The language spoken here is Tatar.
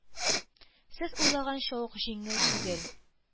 Сез уйлаганча ук җиңел түгел